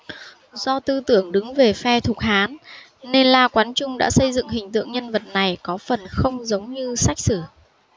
do tư tưởng đứng về phe thục hán nên la quán trung đã xây dựng hình tượng nhân vật này có phần không giống như sách sử